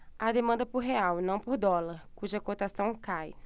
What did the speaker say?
há demanda por real não por dólar cuja cotação cai